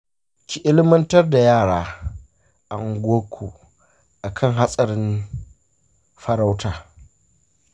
ki ilimantarda yara a unguwanku akan hatsarin farauta.